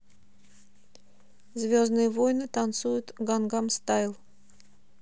звездные войны танцуют гангам стайл